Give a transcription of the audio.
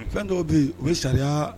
Fɛn dɔw bi u bɛ sariya